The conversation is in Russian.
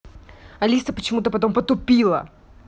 алиса почему то потом потупила